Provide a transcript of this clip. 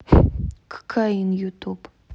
кокаин ютуб